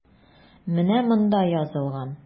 Менә монда язылган.